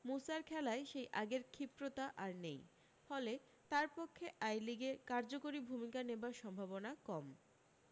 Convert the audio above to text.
মুসার খেলায় সেই আগের ক্ষিপ্রতা আর নেই ফলে তার পক্ষে আই লিগে কার্যকরী ভূমিকা নেবার সম্ভাবনা কম